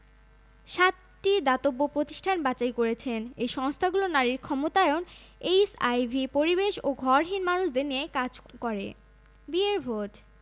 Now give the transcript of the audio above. এখন থেকেই উইন্ডসরের রাস্তায় টহল দিতে শুরু করেছে অস্ত্রধারী ও সাদাপোশাকের বেশ কয়েকজন পুলিশ পুলিশ ছাড়াও ১৯ মে পর্যন্ত সার্চ ডগ দিয়ে পুরো এলাকা পাহারা দেওয়ানো হচ্ছে